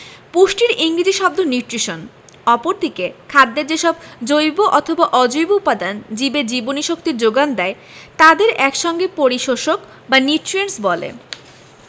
পুষ্টির ইংরেজি শব্দ নিউট্রিশন অপরদিকে খাদ্যের যেসব জৈব অথবা অজৈব উপাদান জীবের জীবনীশক্তির যোগান দেয় তাদের এক সঙ্গে পরিপোষক বা নিউট্রিয়েন্টস বলে